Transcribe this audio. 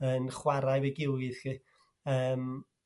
yn chwarae efo'i gilydd lli, yrm